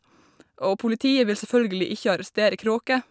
Og politiet vil selvfølgelig ikke arrestere kråker.